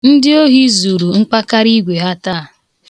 Ndị ohi zuru mkpakariigwe ha taa.